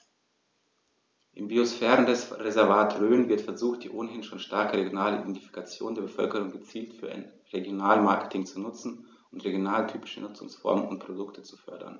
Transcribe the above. Im Biosphärenreservat Rhön wird versucht, die ohnehin schon starke regionale Identifikation der Bevölkerung gezielt für ein Regionalmarketing zu nutzen und regionaltypische Nutzungsformen und Produkte zu fördern.